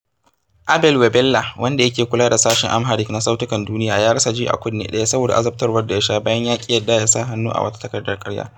Abel Wabella, wanda yake kula da sashen Amharic na Sautukan Duniya, ya rasa ji a kunne ɗaya saboda azabtarwar da ya sha bayan ya ƙi ya sa hannu a wata takardar ƙarya.